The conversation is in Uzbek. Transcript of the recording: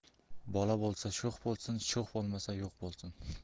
bola bo'lsa sho'x bo'lsin sho'x bo'lmasa yo'q bo'lsin